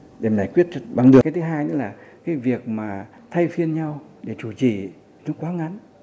để giải quyết cho bằng được cái thứ hai nữa là cái việc mà thay phiên nhau để chủ trì chúng quá ngắn